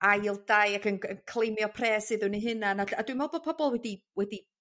ail dai ac yn g- cleimio pres iddw nw hunan a a dwi me'wl bo' pobol wedi wedi